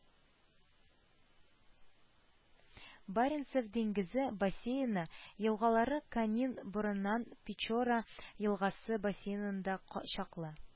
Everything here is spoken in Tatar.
Баренцев диңгезе бассейны елгалары Канин борынынан Печора елгасы бассейнына чаклы